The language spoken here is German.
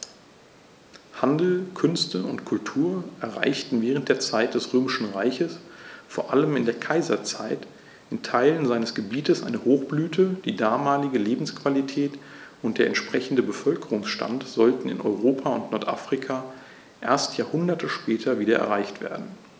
Handel, Künste und Kultur erreichten während der Zeit des Römischen Reiches, vor allem in der Kaiserzeit, in Teilen seines Gebietes eine Hochblüte, die damalige Lebensqualität und der entsprechende Bevölkerungsstand sollten in Europa und Nordafrika erst Jahrhunderte später wieder erreicht werden.